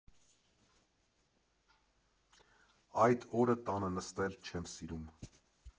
Այդ օրը տանը նստել չեմ սիրում.